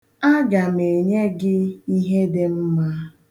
Aga m enye gị ihe dị mma.